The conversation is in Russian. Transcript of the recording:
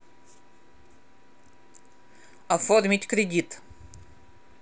оформить кредит